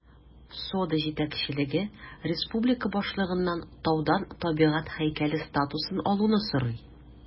Сода җитәкчелеге республика башлыгыннан таудан табигать һәйкәле статусын алуны сорый.